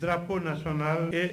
Sira ko na sɔnnana ee